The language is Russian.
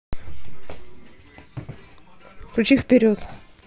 включи вперед